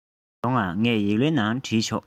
ཡོང ང ངས ཡིག ལན ནང བྲིས ཆོག